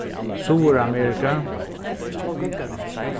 suðuramerika